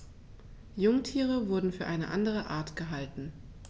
Jungtiere wurden für eine andere Art gehalten.